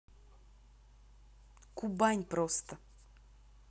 кубань просто